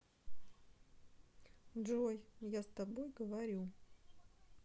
джой я с тобой говорю